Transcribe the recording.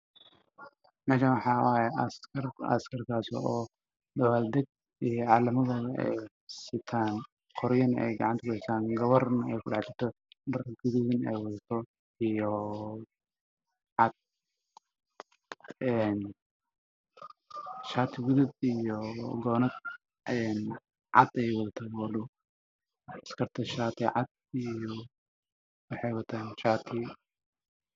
Meshan waxaa taagan niman wata dharka Ciidanka gadashooda waxaa ka muuqda calamo